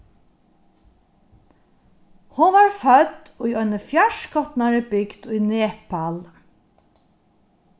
hon varð fødd í eini fjarskotnari bygd í nepal